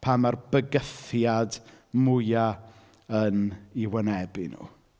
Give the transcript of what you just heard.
Pan mae'r bygythiad mwya yn eu wynebu nhw.